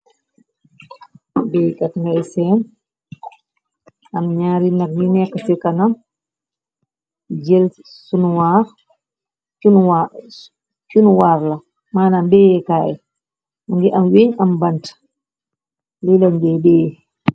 Bekat ngay seen am ñaari nak yi nekk ci kanam jël chunwaar, chunwaar la manam beyekai mugi am winch am banta li lañj deh beeyeh.